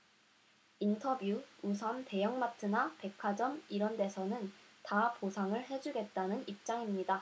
인터뷰 우선 대형마트나 백화점 이런 데서는 다 보상을 해 주겠다는 입장입니다